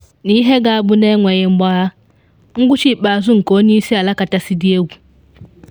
N’ihe ga-abụ na enweghị mgbagha “Ngwụcha ikpeazụ nke onye isi ala kachasị dị egwu!”